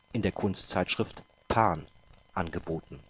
in der Kunstzeitschrift Pan angeboten